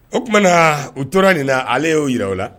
O tumana u tora nin na ale y'o jira